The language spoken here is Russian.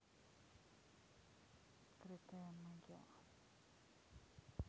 открытая могила